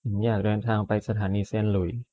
ฉันอยากเดินทางไปสถานีเซนต์หลุยส์